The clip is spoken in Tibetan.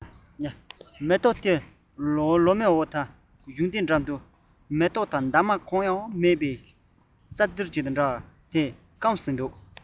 མེ ཏོག དེའི ལོ མའི འོག དང གཞུང རྟའི འགྲམ དུ མེ ཏོག དང འདབ མ གང ཡང མེད པ བསྐམས ཟིན པའི རྩི ཐུར ཞིག དང འདྲ